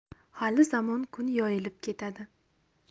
hali zamon kun yoyilib ketadi